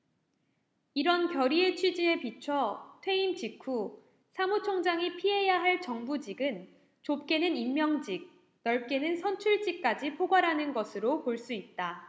이런 결의의 취지에 비춰 퇴임 직후 사무총장이 피해야 할 정부직은 좁게는 임명직 넓게는 선출직까지 포괄하는 것으로 볼 수 있다